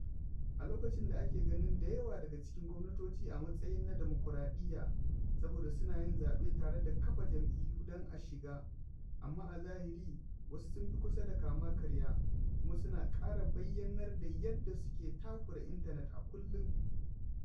A lokacin da ake ganin da yawa daga cikin gwamnatoci a matsayin na dimukuraɗiyya saboda suna yin zaɓe tare da kafa jam'iyyu don a shiga, amma a zahiri, wasu sun fi kusa da kama-karya - kuma suna ƙara bayyanar da yadda suke takure intanet a kullum.